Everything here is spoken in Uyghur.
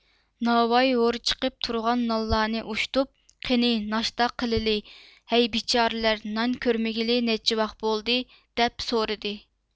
ناۋاي ھور چىقىپ تۇرغان نانلارنى ئوشتۇپ قېنى ناشتا قىلىلى ھەي بىچارىلەر نان كۆرمىگىلى نەچچە ۋاخ بولدى دەپ سورىدى